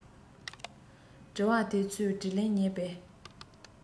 དྲི བ དེ ཚོའི དྲིས ལན རྙེད པའི